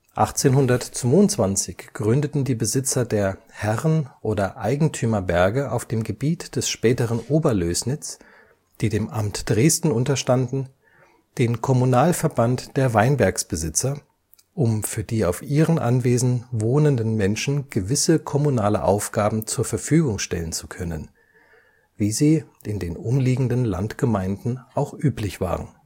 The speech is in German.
1822 gründeten die Besitzer der Herren - oder Eigentümerberge auf dem Gebiet des späteren Oberlößnitz, die dem Amt Dresden unterstanden, den Kommunalverband der Weinbergsbesitzer, um für die auf ihren Anwesen wohnenden Menschen gewisse kommunale Aufgaben zur Verfügung stellen zu können, wie sie in den umliegenden Landgemeinden auch üblich waren